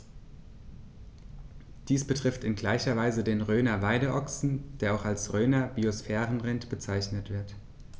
Dies betrifft in gleicher Weise den Rhöner Weideochsen, der auch als Rhöner Biosphärenrind bezeichnet wird.